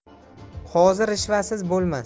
qozi rishvasiz bo'lmas